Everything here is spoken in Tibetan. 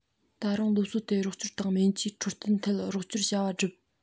ད དུང སློབ གསོའི ཐད རོགས སྐྱོར དང སྨན བཅོས འཕྲོད བསྟེན ཐད རོགས སྐྱོར བྱ བ སྒྲུབ